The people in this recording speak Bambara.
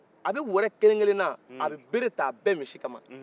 a bɛ wɛrɛ kelen kelen na a bɛ bere t'a bɛɛ misi